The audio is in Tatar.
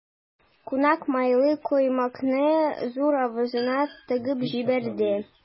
Кунак майлы коймакны зур авызына тыгып җибәрде.